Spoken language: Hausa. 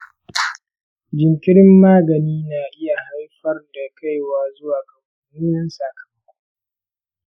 jinkirin magani na iya haifar da kaiwa zuwa ga mummunan sakamako.